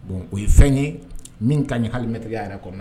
Bon o ye fɛn ɲe min kaɲi hali maitre ya yɛrɛ kɔnɔ